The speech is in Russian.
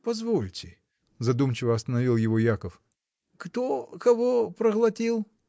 позвольте, — задумчиво остановил его Яков, — кто кого проглотил?